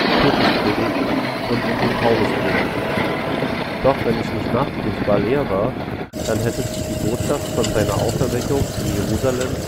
Petruspredigten und in den Paulusbriefen. Doch wenn es nicht nachprüfbar leer war, dann hätte sich die Botschaft von seiner Auferweckung in Jerusalem